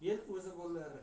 kelar yil o'zi bo'lar